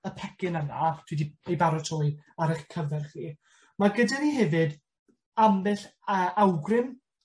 y pecyn yna dwi 'di ei baratoi ar eich cyfer chi, ma' gyda ni hefyd ambell yy awgrym